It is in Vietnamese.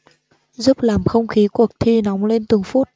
giúp làm không khí cuộc thi nóng lên từng phút